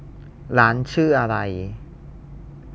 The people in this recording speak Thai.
ร้านชื่ออะไร